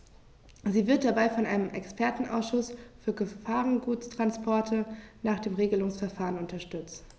Sie wird dabei von einem Expertenausschuß für Gefahrguttransporte nach dem Regelungsverfahren unterstützt.